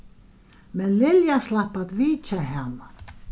men lilja slapp at vitja hana